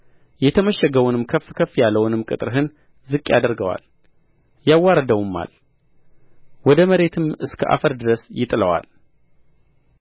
የተመሸገውንም ከፍ ከፍ ያለውንም ቅጥርህን ዝቅ ያደርገዋል ያዋርደውማል ወደ መሬትም እስከ አፈር ድረስ ይጥለዋል